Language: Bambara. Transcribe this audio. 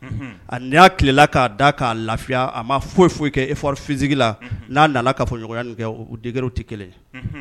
unhun. Hali ni y'a tile la k'a da k'a lafiya a ma foyi foyi kɛ effort physique la ;Unhun ; n'a nana kafoɲɔgɔnya in kɛ o degré tɛ kelen ye. Unhun.